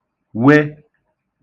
-we